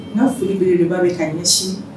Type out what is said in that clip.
N ka folibele de b'a bɛ ka ɲɛsin